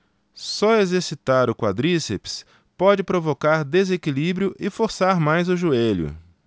só exercitar o quadríceps pode provocar desequilíbrio e forçar mais o joelho